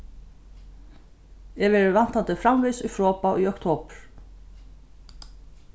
eg verði væntandi framvegis í froðba í oktobur